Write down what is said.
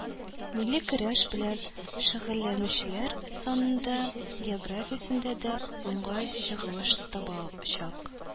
Милли көрәш белән шөгыльләнүчеләр санында да, географиясендә дә уңай чагылыш табачак